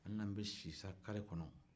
n'an bɛ sisan kare kɔnɔ